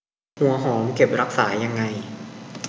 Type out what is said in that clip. หัวหอมเก็บรักษายังไง